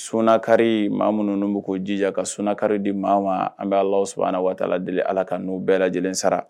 Sun kari maa minnu bɛ ko jija ka sun kari di maa ma an bɛ ala sɔrɔ an waati lajɛlen ala ka n'u bɛɛ lajɛlen sara